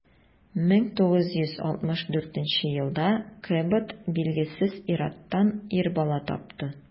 1964 елда кэбот билгесез ир-аттан ир бала тапты.